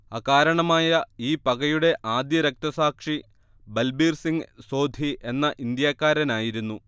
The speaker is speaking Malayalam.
അകാരണമായ ഈ പകയുടെ ആദ്യ രക്തസാക്ഷി ബൽബീർ സിംഗ് സോധി എന്ന ഇന്ത്യക്കാരനായിരുന്നു